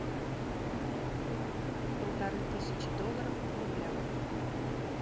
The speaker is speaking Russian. полторы тысячи долларов в рублях